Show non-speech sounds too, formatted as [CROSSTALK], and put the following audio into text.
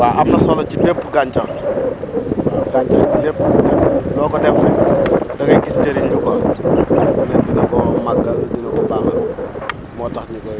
waaw [NOISE] am na solo ci bépp gàncax [NOISE] gàncax gi lépp [NOISE] soo ko defee [NOISE] da ngay gis njëriñ li quoi [NOISE] ni dina ko màggal [NOISE] dina ko baaxal [NOISE] moo tax ñu koy